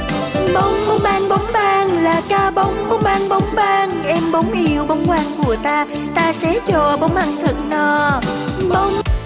bống bống bang bống bang là cá bống bống bang bống bang em bống yêu bống ngoan của ta ta sẽ cho bống ăn thật no bống